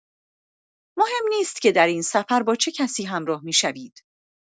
مهم نیست که در این سفر با چه کسی همراه می‌شوید.